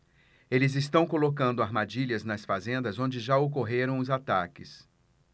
eles estão colocando armadilhas nas fazendas onde já ocorreram os ataques